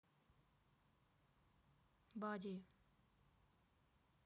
body